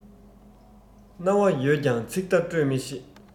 རྣ བ ཡོད ཀྱང ཚིག བརྡ སྤྲོད མི ཤེས